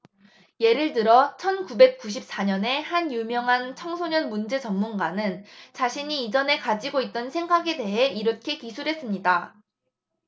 예를 들어 천 구백 구십 사 년에 한 유명한 청소년 문제 전문가는 자신이 이전에 가지고 있던 생각에 대해 이렇게 기술했습니다